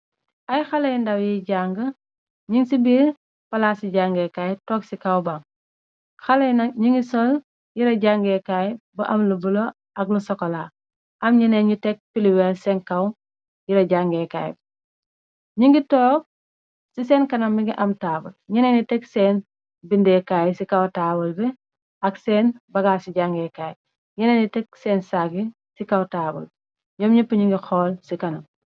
Ay xalayi ndaw yiy jàng ñing ci biir palaa ci jangeekaay toog ci kaw bam xale na ñi ngi sol yira jangeekaay bu am lu bulo ak lu sokola am ñenee ñu tekg piliweel seen kaw yira jangeekaay b ñi ngi toog ci seen kana mi ngi am taabal ñenee ni teg seen bindeekaay ci kaw taabal bi ak seen bagaal ci jangeekaay ñenee ni tekg seen saggi ci kaw taabal ñoom ñepp ñi ngi xool ci kanam.